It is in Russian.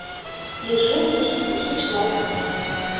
держи десять тысяч лайков